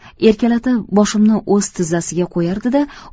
erkalatib boshimni o'z tizzasiga qo'yardi da